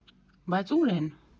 Բայց ու՞ր են։